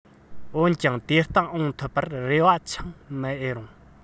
འོན ཀྱང དེ ལྟ འོངས ཐུབ པར རེ བ འཆང མི འོས རུང